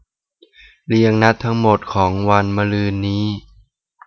เรียงนัดทั้งหมดของวันมะรืนนี้